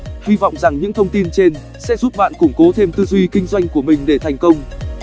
hi vọng rằng những thông tin trên sẽ giúp bạn củng cố thêm tư duy kinh doanh của mình để thành công